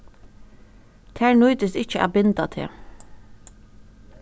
tær nýtist ikki at binda teg